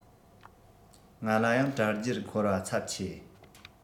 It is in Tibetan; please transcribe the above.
ང ལ ཡང དྲ རྒྱར འཁོར བ འཚབ ཆེ